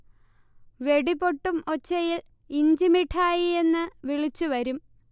വെടിപൊട്ടും ഒച്ചയിൽ ഇഞ്ചിമിഠായി എന്ന് വിളിച്ച് വരും